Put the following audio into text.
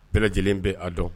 Bɛɛ lajɛlen bɛ a dɔn